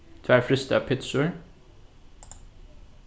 tvær frystar pitsur